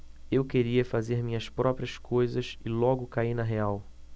eu queria fazer minhas próprias coisas e logo caí na real